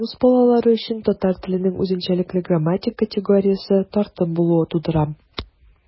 Рус балалары өчен татар теленең үзенчәлекле грамматик категориясе - тартым булуы тудыра.